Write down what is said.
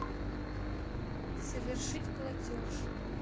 совершить платеж